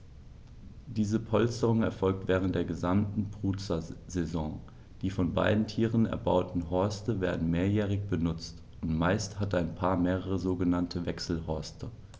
Diese Polsterung erfolgt während der gesamten Brutsaison. Die von beiden Tieren erbauten Horste werden mehrjährig benutzt, und meist hat ein Paar mehrere sogenannte Wechselhorste.